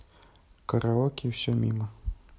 караоке все мимо